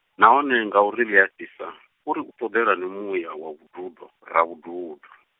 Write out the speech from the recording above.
nahone ngauri ḽi a fhisa, uri u ṱoḓelani muya wa vhududo Ravhududo?